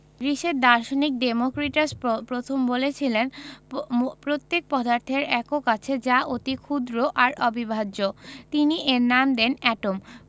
গ্রিসের দার্শনিক ডেমোক্রিটাস প্রথম বলেছিলেন প্রত্যেক পদার্থের একক আছে যা অতি ক্ষুদ্র আর অবিভাজ্য তিনি এর নাম দেন এটম